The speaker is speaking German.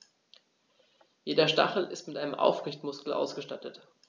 Jeder Stachel ist mit einem Aufrichtemuskel ausgestattet.